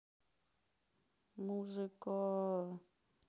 музыка а а а а